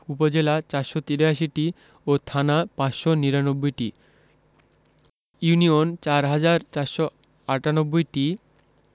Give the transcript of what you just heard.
উপজেলা ৪৮৩টি ও থানা ৫৯৯টি ইউনিয়ন ৪হাজার ৪৯৮টি